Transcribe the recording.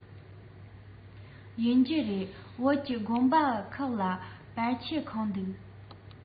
ཡིན གྱི རེད བོད ཀྱི དགོན པ ཁག ལ དཔེ ཆས ཁེངས འདུག ག